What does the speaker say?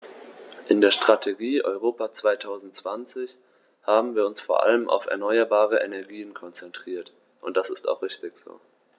In der Strategie Europa 2020 haben wir uns vor allem auf erneuerbare Energien konzentriert, und das ist auch richtig so.